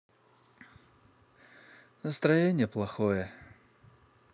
настроение плохое